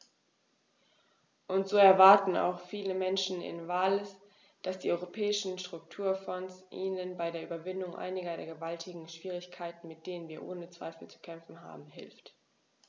Und so erwarten auch viele Menschen in Wales, dass die Europäischen Strukturfonds ihnen bei der Überwindung einiger der gewaltigen Schwierigkeiten, mit denen wir ohne Zweifel zu kämpfen haben, hilft.